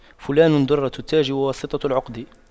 فلان دُرَّةُ التاج وواسطة العقد